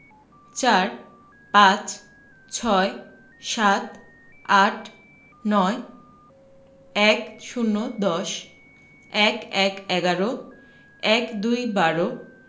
৪ চার ৫ পাঁচ ৬ ছয় ৭ সাত ৮ আট ৯ নয় ১০ দশ ১১ এগারো ১২ বারো